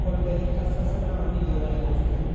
qo'lidagi hassasi bilan uning yo'lini to'sdi